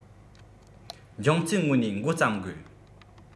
འབྱུང རྩའི ངོས ནས འགོ བརྩམ དགོས